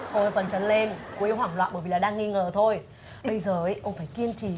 thôi phấn chấn lên cô ý hoảng loạn bởi vì là đang nghi ngờ thôi bây giờ ý ông phải kiên trì